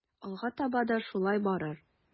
Алга таба да шулай барыр.